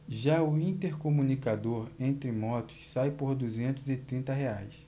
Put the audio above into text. já o intercomunicador entre motos sai por duzentos e trinta reais